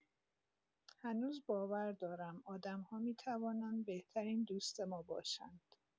هنوز باور دارم آدم‌ها می‌توانند بهترین دوست ما باشند.